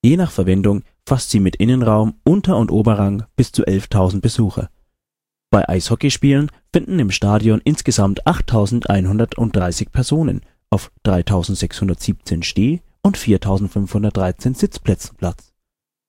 Je nach Verwendung fasst sie mit Innenraum, Unter - und Oberrang bis zu 11.000 Besucher. Bei Eishockeyspielen finden im Stadion insgesamt 8130 Personen auf 3617 Steh - und 4513 Sitzplätzen Platz,